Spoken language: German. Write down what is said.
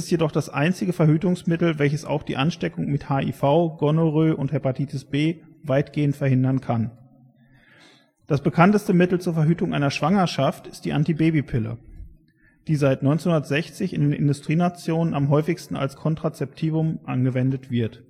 jedoch das einzige Verhütungsmittel welches auch eine Ansteckung mit HIV, Gonorrhoe und Hepatitis B weitgehend verhindern kann (s. auch die Gebrauchsanleitung). Die „ Pille “Das bekannteste Mittel zur Verhütung einer Schwangerschaft ist die Antibabypille („ Die Pille “), die seit 1960 in den Industrienationen am häufigsten als Kontrazeptivum verwendet wird